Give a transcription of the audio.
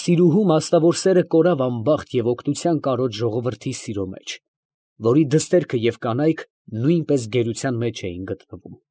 Սիրուհու մասնավոր սերը կորավ անբախտ և օգնության կարոտ ժողովրդի սիրո մեջ, որի դստերքը ու կանայք նույնպես գերության մեջ էին գտնվում։